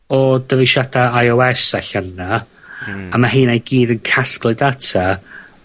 o dyfeisiada eye oh es allan 'na, a ma heina i gyd yn casglu data,